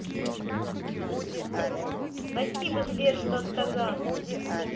спасибо сбер что сказал